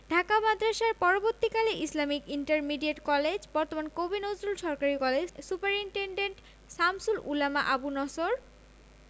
ঢাকা মাদ্রাসার পরবর্তীকালে Islamic intermediate college বর্তমান কবি নজরুল সরকারি কলেজ সুপারিন্টেন্ডেন্ট শামসুল উলামা আবু নসর